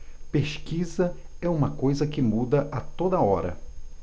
pesquisa é uma coisa que muda a toda hora